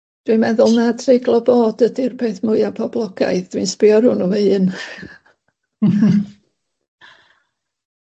Dwi'n meddwl na treiglo bod ydi'r peth mwya poblogaidd, dwi'n sbio rŵan ar fy hun.